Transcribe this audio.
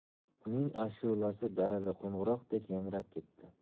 uning ashulasi darada qo'ng'iroqdek yangrab ketdi